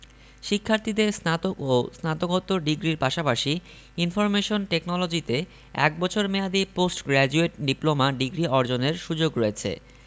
শিক্ষার্থীদের স্নাতক ও স্নাতকোত্তর ডিগ্রির পাশাপাশি ইনফরমেশন টেকনোলজিতে এক বছর মেয়াদি পোস্ট গ্রাজুয়েট ডিপ্লোমা ডিগ্রি অর্জনের সুযোগ রয়েছে